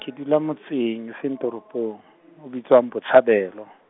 ke dula motseng e seng toropong, o bitswang Botshabelo.